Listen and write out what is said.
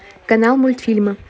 канал мультфильмы